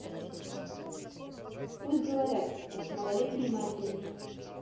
пусть говорят малолетние матери